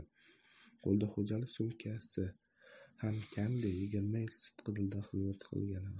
qo'lidagi xo'jalik sumkasi ham kamida yigirma yil sidqidildan xizmat qilgan